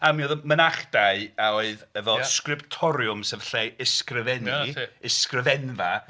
A mi oedd mynachdai, a oedd efo sgriptoriwm sef lle i ysgrifennu, ysgrifennfa.